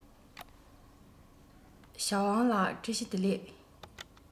ཞའོ ཝང ལགས བཀྲ ཤིས བདེ ལེགས